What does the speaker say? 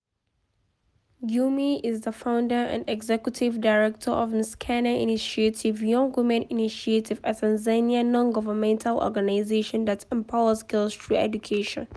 Gyumi is the founder and executive director of Msichana Initiative (Young Woman Initiative), a Tanzanian nongovernmental organization that empowers girls through education.